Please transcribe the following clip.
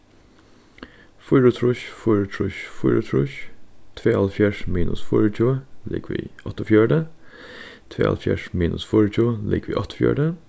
fýraogtrýss fýraogtrýss fýraogtrýss tveyoghálvfjerðs minus fýraogtjúgu ligvið áttaogfjøruti tveyoghálvfjerðs minus fýraogtjúgu ligvið áttaogfjøruti